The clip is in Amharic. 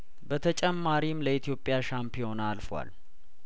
በተጨማሪም ለኢትዮጵያ ሻምፒዮና አልፏል